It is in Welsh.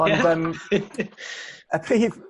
Ia! Ond yym y prif